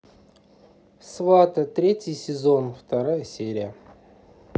сваты третий сезон вторая серия